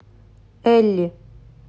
элли